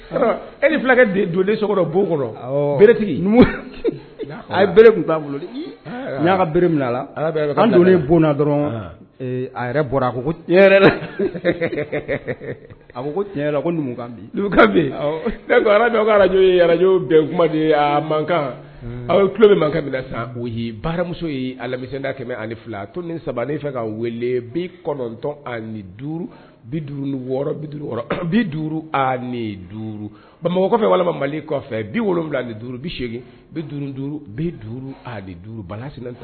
E bere a bere bolo dɔrɔn a a a tiɲɛ ala araj araj mankan aw ye kulo bɛ sisan o baramuso ye alamisenda kɛmɛ ani fila a to ni saba fɛ ka weele bi kɔnɔntɔn ani duuru bi wɔɔrɔ bi duurukɔrɔ bi duuru ani duuru bamakɔ bamakɔ kɔfɛ walima kɔfɛ bi wolowula duuru bi segin bi duuru bi duuru ani duuru bala